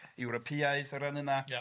Ewropaidd o ran hynna... Ia...